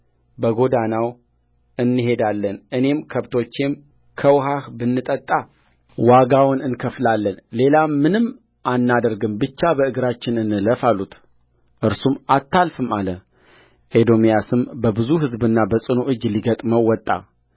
በጐዳናው እንሄዳለን እኔም ከብቶቼም ከውኃህ ብንጠጣ ዋጋውን እንከፍላለን ሌላም ምንም አናደርግም ብቻ በእግራችን እንለፍ አሉትእርሱም አታልፍም አለ ኤዶምያስም በብዙ ሕዝብና በጽኑ እጅ ሊገጥመው ወጣ